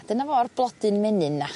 A dyna fo'r blodyn menyn 'na.